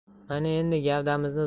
mana endi gavdamizni